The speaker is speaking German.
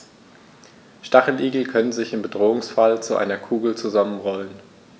Stacheligel können sich im Bedrohungsfall zu einer Kugel zusammenrollen.